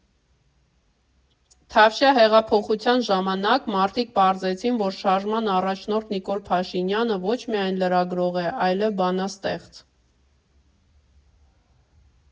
Թավշյա հեղափոխության ժամանակ մարդիկ պարզեցին, որ շարժման առաջնորդ Նիկոլ Փաշինյանը ոչ միայն լրագրող է, այլև բանասատեղծ։